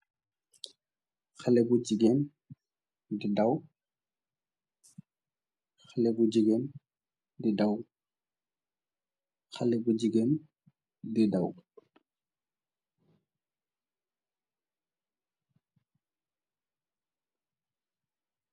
Xalé bu jigéen di daw, Xalé bu jigéen di daw, Xalé bu jigéen di daw.